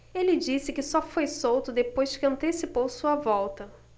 ele disse que só foi solto depois que antecipou sua volta